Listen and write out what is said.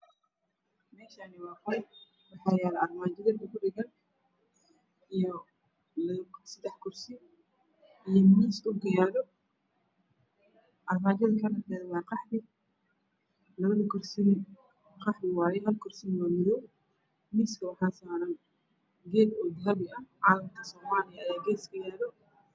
Meeshaani waa qol waxaa yaalo armaajo darbiga ku dhagan iyo sadex kursi iyo miis dhulka yaalo armaajada kalarkeeda waa qaxwi labada kursina qaxwi waaye hal kursina waa madow miiska waxaa saaran geed oo dahabi ah calanka soomaliyo ayaa gees ka yaalo